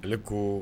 Ale ko